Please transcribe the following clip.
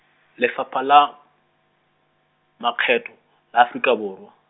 Lefapha la, Makgetho, la Aforika Borwa.